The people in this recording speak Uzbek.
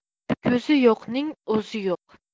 ko'zi yo'qning o'zi yo'q